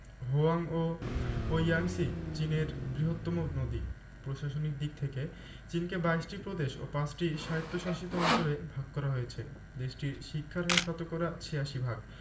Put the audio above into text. Hwang Ho ও Yangtze চীনের বৃহত্তম নদী প্রশাসনিক দিক থেকে চিনকে ২২ টি প্রদেশ ও ৫ টি স্বায়ত্তশাসিত অঞ্চলে ভাগ করা হয়েছে দেশটির শিক্ষার হার শতকরা ৮৬ ভাগ